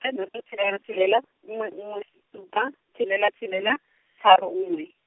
a noto tshelela tshelela, nngwe nngwe, supa, tshelela tshelela, tharo nngwe.